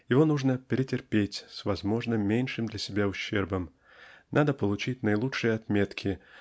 Его нужно претерпеть с возможно меньшим для себя ущербом надо получить наилучшие отметки